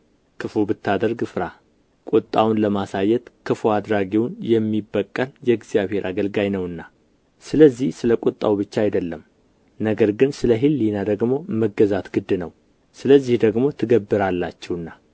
ክፉ ብታደርግ ፍራ ቍጣውን ለማሳየት ክፉ አድራጊውን የሚበቀል የእግዚአብሔር አገልጋይ ነውና ስለዚህ ስለ ቍጣው ብቻ አይደለም ነገር ግን ስለ ሕሊና ደግሞ መገዛት ግድ ነው ስለዚህ ደግሞ ትገብራላችሁና